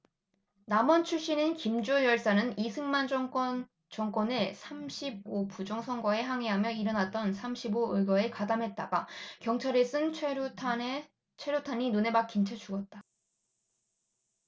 남원 출신인 김주열 열사는 이승만 정권의 삼 십 오 부정선거에 항의하며 일어났던 삼 십 오 의거에 가담했다가 경찰이 쏜 최루탄이 눈에 박힌 채 죽었다